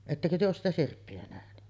ettekö te ole sitä sirppiä nähnyt